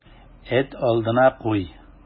Эт алдына куй.